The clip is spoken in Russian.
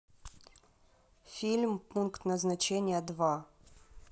фильм пункт назначения два